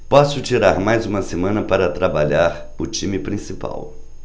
posso tirar mais uma semana para trabalhar o time principal